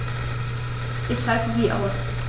Ich schalte sie aus.